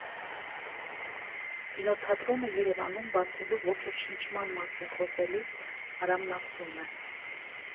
Կինոթատրոնը Երևանում բացելու ոգեշնչման մասին խոսելիս Արամն ասում է.